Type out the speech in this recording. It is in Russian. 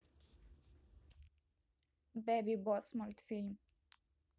бэби босс мультфильм